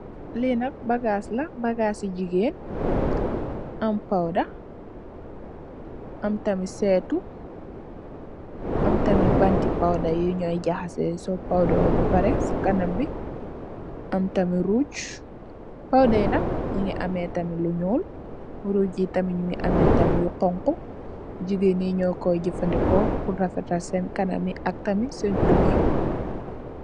Ii nak bagas la bagasi gigen am pawder am setou am tamit panti pawder bunoi jaxase so defê pawder be pare am tamit rouch pawder Yi nak njogu ame lu njul rouch Yi tamit mugi ame lu xonxu gigen Yi njokoi jafandi ko pur am taat sen kaname Yi ak sen toune yi